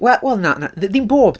Wel wel na na ddim ddim bob dim.